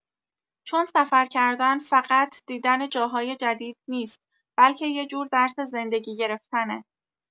چون سفر کردن فقط دیدن جاهای جدید نیست، بلکه یه جور درس زندگی گرفتنه.